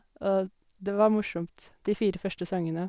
Og det var morsomt de fire første sangene.